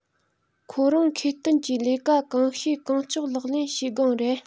ཁོ རང འཁོས བསྟུན གྱི ལས ཀ གང ཤེས གང ལྕོགས ལག ལེན བྱེད སྒང རེད